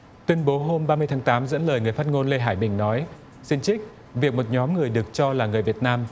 tuyên bố hôm ba mươi tháng tám dẫn lời người phát ngôn lê hải bình nói xin trích việc một nhóm người được cho là người việt nam